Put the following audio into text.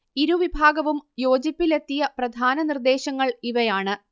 ഇരു വിഭാഗവും യോജിപ്പിലെത്തിയ പ്രധാന നിർദ്ദേശങ്ങൾ ഇവയാണ്